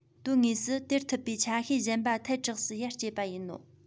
དོན དངོས སུ དེར མཐུད པའི ཆ ཤས གཞན པ ཐལ དྲགས སུ ཡར སྐྱེས པ ཡིན ནོ